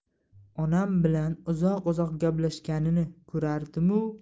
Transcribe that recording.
onam bilan uzoq uzoq gaplashganini ko'rardimu